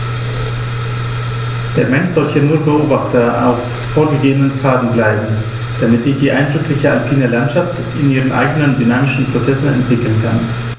Der Mensch soll hier nur Beobachter auf vorgegebenen Pfaden bleiben, damit sich die eindrückliche alpine Landschaft in ihren eigenen dynamischen Prozessen entwickeln kann.